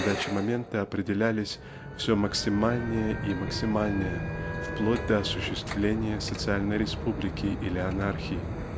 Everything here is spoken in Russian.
задачи момента определялись все максимальнее и максимальнее (вплоть до осуществления социальной республики или анархии).